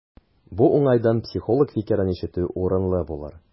Бу уңайдан психолог фикерен ишетү урынлы булыр.